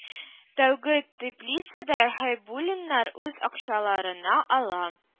Тәүге теплицада хәйбуллиннар үз акчаларына ала